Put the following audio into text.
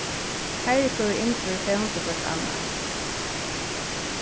heiðrikur og ingvør fevndu hvørt annað